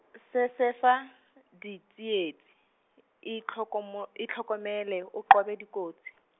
sesefa ditsietsi, i- itlhokomo-, itlhokomele o qobe dikotsi.